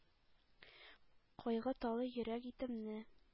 Кайгы талый йөрәк итемне.